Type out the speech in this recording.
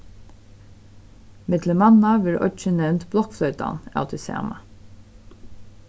millum manna verður oyggin nevnd blokkfloytan av tí sama